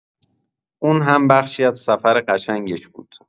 اون هم بخشی از سفر قشنگش بود.